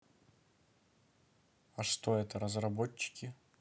а что это разработчики